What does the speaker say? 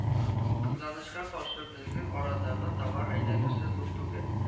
«кызганычка каршы, безнең арадагы товар әйләнеше зур түгел